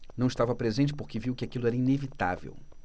não estava presente porque viu que aquilo era inevitável